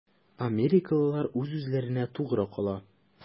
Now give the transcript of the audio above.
Америкалылар үз-үзләренә тугры кала.